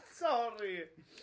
Sori!